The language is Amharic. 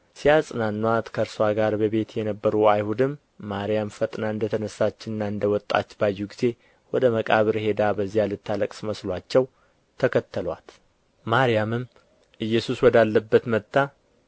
ሲያጽናኑአት ከእርስዋ ጋር በቤት የነበሩ አይሁድም ማርያም ፈጥና እንደ ተነሣችና እንደ ወጣች ባዩ ጊዜ ወደ መቃብር ሄዳ በዚያ ልታለቅስ መስሎአቸው ተከተሉአት ማርያምም ኢየሱስ ወዳለበት መጥታ